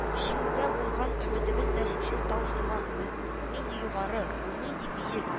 Җиңүгә булган өметебез дә шушы тау сыман, ул нинди югары, ул нинди биек